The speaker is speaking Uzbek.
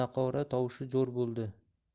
naqora tovushi jo'r bo'ldi